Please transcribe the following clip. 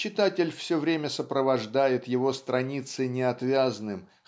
читатель все время сопровождает его страницы неотвязным